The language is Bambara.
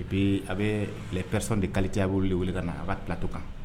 Bɛ a bɛ bilapɛsɔn de kali cayauru de wele ka na a ka kito kan